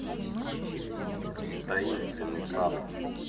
таинственный сад